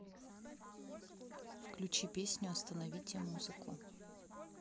включи песню остановите музыку